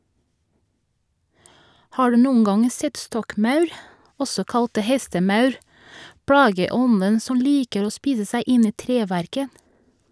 Har du noen gang sett stokkmaur , også kalt hestemaur, plageånden som liker å spise seg inn i treverket?